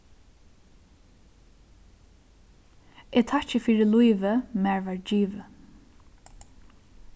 eg takki fyri lívið mær var givið